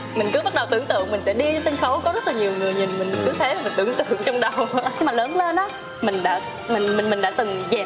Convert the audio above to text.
mình cứ bắt đầu tưởng tượng mình sẽ đi lên sân khấu có rất nhiều người nhìn mình cứ thế tưởng tượng trong đầu khi mà lớn lên á mình đã mình mình mình đã từng dẹp